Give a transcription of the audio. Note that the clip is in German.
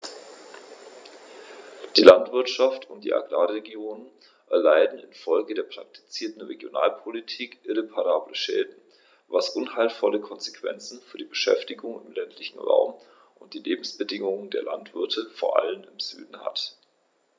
Die Landwirtschaft und die Agrarregionen erleiden infolge der praktizierten Regionalpolitik irreparable Schäden, was unheilvolle Konsequenzen für die Beschäftigung im ländlichen Raum und die Lebensbedingungen der Landwirte vor allem im Süden hat.